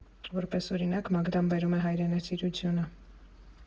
Որպես օրինակ Մագդան բերում է հայրենասիրությունը.